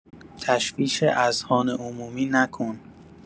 تشویش اذهان عمومی نکن!